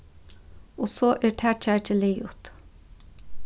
og so er tað kjakið liðugt